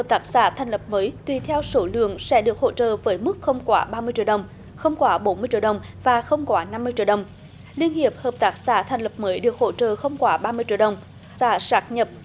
tác xã thành lập mới tùy theo số lượng sẽ được hỗ trợ với mức không quá ba mươi triệu đồng không quá bốn mươi triệu đồng và không quá năm mươi triệu đồng liên hiệp hợp tác xã thành lập mới được hỗ trợ không quá ba mươi triệu đồng ra sáp nhập